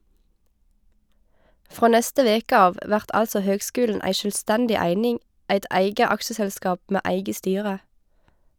Frå neste veke av vert altså høgskulen ei sjølvstendig eining, eit eige aksjeselskap med eige styre.